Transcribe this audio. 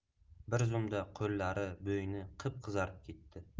bir zumda qo'llari bo'yni qip qizarib ketdi